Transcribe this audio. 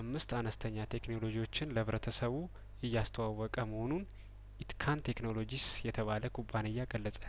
አምስት አነስተኛ ቴክኖሎጂዎችን ለህብረተሰቡ እያስ ተዋወቀ መሆኑን ኢትካን ቴክኖሎጂስ የተባለ ኩባንያ ገለጸ